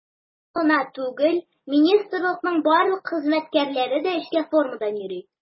Ул гына түгел, министрлыкның барлык хезмәткәрләре дә эшкә формадан йөри.